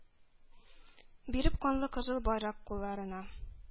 Биреп канлы кызыл байрак кулларына,